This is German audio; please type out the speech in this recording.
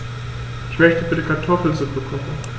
Ich möchte bitte Kartoffelsuppe kochen.